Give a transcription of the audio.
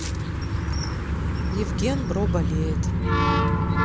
евген бро болеет